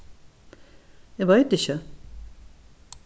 eg veit ikki